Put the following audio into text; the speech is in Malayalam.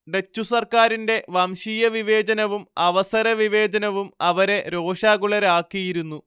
ഡച്ചു സർക്കാരിന്റെ വംശീയവിവേചനവും അവസരവിവേചനവും അവരെ രോഷാകുലരാക്കിയിരുന്നു